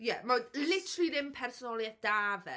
Ie, mae literally dim personoliaeth 'da fe.